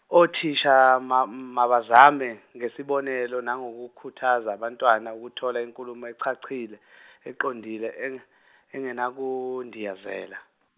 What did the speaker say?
othisha mam- mabazame, ngesibonelo nangokukhuthaza abantwana ukuthola inkulumo echachile eqondile enge- engenakundiyazela.